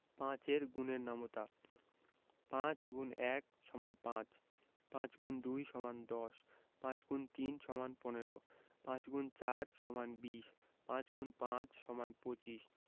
৫ এর গুণের নামতা ৫× ১ = ৫ ৫× ২ = ১০ ৫× ৩ = ১৫ ৫× ৪ = ২০ ৫× ৫ = ২৫